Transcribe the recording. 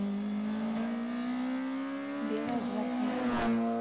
белая гвардия